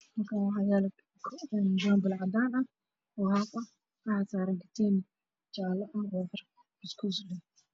Meshaan waxaa yaalo boon balo cadaan ah waxaa saaran ka tiin jaale ah